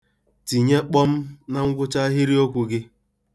Tinye kpọm na ngwụcha ahịrịokwu gị.